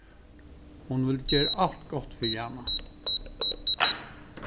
hon vildi gera alt gott fyri hana